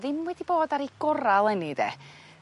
...ddim wedi bod ar 'i gora' leni 'de.